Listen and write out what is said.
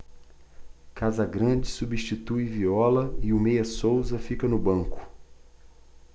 casagrande substitui viola e o meia souza fica no banco